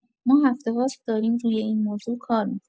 ما هفته‌هاست داریم روی این موضوع کار می‌کنیم.